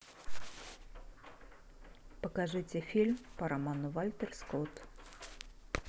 покажите фильм по роману вальтер скотт